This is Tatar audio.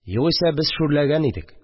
Югыйсә без шүрләгән идек